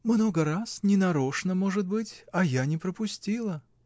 — Много раз: не нарочно, может быть, а я не пропустила.